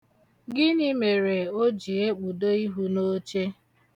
Gịnị mere o ji ekpudo ịhụ n'oche?